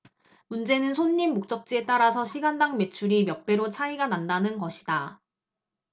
문제는 손님 목적지에 따라서 시간당 매출이 몇 배로 차이가 난다는 것이다